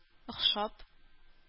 Охшап